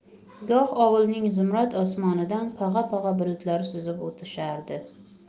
goh ovulning zumrad osmonidan pag'a pag'a bulutlar suzib o'tishardi